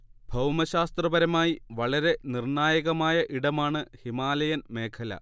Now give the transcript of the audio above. ഭൗമശാസ്ത്രപരമായി വളരെ നിർണായകമായ ഇടമാണ് ഹിമാലയൻ മേഖല